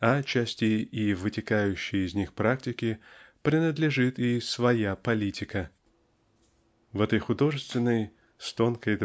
а отчасти и вытекающей из них практики принадлежит и "своя" политика". В этой художественной с тонкой